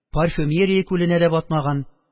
Парфюмерия күленә дә батмаган